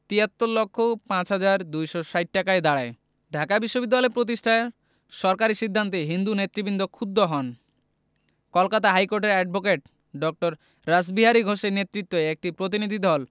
৭৩ লক্ষ ৫ হাজার ২৬০ টাকায় দাঁড়ায় ঢাকা বিশ্ববিদ্যালয় প্রতিষ্ঠার সরকারি সিদ্ধান্তে হিন্দু নেতৃবৃন্দ ক্ষুব্ধ হন কলকাতা হাইকোর্টের অ্যাডভোকেট ড. রাসবিহারী ঘোষের নেতৃত্বে একটি প্রতিনিধিদল